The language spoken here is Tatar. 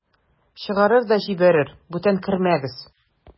Чыгарыр да җибәрер: "Бүтән кермәгез!"